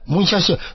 Мунчачы